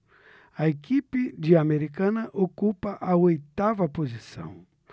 a equipe de americana ocupa a oitava posição